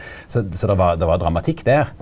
så så det var det var dramatikk der.